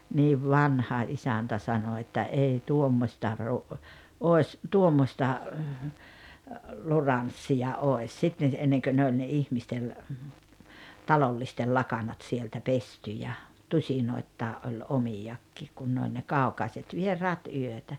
niin vanha isäntä sanoi että ei tuommoista - olisi tuommoista luranssia olisi sitten ennen kuin ne oli ne ihmisten talollisten lakanat sieltä pesty ja tusinoittain oli omiakin kun ne oli ne kaukaiset vieraat yötä